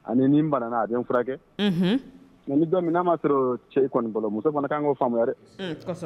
Ani ni banna a den furakɛkɛ nka n'a ma sɔrɔ cɛ kɔni muso mana kan n ko faama faamuya ye dɛ